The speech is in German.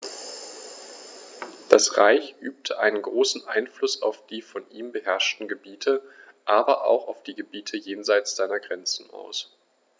Das Reich übte einen großen Einfluss auf die von ihm beherrschten Gebiete, aber auch auf die Gebiete jenseits seiner Grenzen aus.